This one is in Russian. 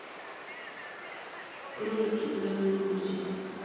кролики гамми мультик